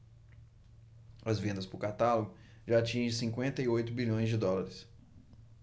as vendas por catálogo já atingem cinquenta e oito bilhões de dólares